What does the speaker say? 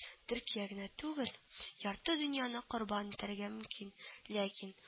Төркия генә түгел, ярты дөньяны корбан итәргә мөмкин. Ләкин